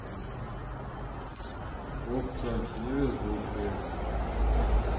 окко невезучие